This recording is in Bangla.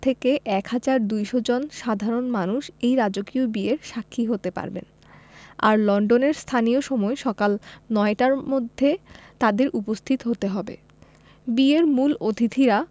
থেকে ১হাজার ২০০ জন সাধারণ মানুষ এই রাজকীয় বিয়ের সাক্ষী হতে পারবেন আর লন্ডনের স্থানীয় সময় সকাল নয়টার মধ্যে তাঁদের উপস্থিত হতে হবে বিয়ের মূল অতিথিরা